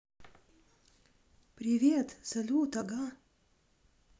привет салют ага